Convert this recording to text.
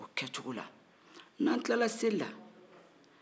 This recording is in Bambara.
o kɛcoko la n'an kilala seli la